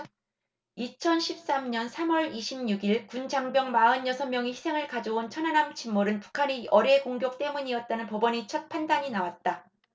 이천 십 년 삼 월 이십 육 일 군 장병 마흔 여섯 명의 희생을 가져온 천안함 침몰은 북한의 어뢰 공격 때문이었다는 법원의 첫 판단이 나왔다